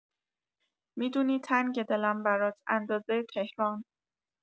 می‌دونی تنگه دلم برات اندازه تهران